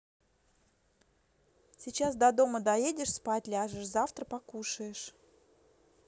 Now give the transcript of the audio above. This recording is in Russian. сейчас до дома доедешь спать ляжешь завтра покушаешь